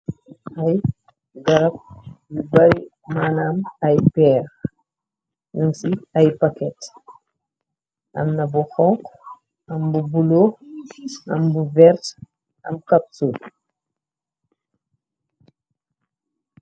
Ay garab yu bari manaam ay peer yuci ay paket am na bu xonk am bu bulo am bu vers am capsul.